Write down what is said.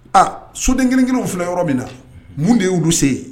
A soden kelen kelenw filɛ yɔrɔ min na mun de y'olulu sen